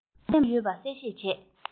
གཅན གཟན མང པོ ཡོད པ གསལ བཤད བྱས